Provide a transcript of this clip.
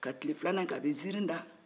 ka tile filana kɛ a bɛ ziiri da